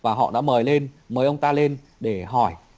và họ đã mời lên mời ông ta lên để hỏi